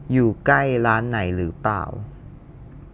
อยู่ใกล้ร้านไหนหรือเปล่า